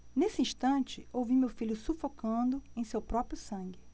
nesse instante ouvi meu filho sufocando em seu próprio sangue